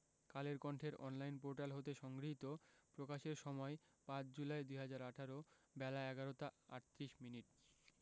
কালের কন্ঠের online portal হতে সংগৃহীত প্রকাশের সময় ৫ জুলাই ২০১৮ বেলা ১১টা ৩৮ মিনিট